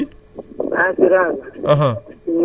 léegi lan nga bëgg leerlu ci assurance bi